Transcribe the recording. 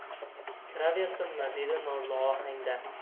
kiraversinmi dedi nozli ohangda